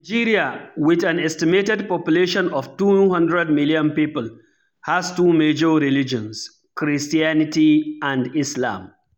Nigeria, with an estimated population of 200 million people, has two major religions: Christianity and Islam.